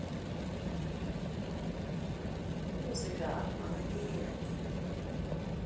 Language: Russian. музыка молодец